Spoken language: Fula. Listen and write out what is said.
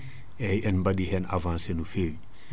eyyi en baɗi hen avancé no feewi